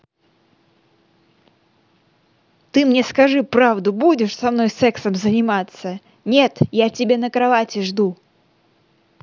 ты мне скажи правду будешь со мной сексом заниматься нет я тебе на кровати жду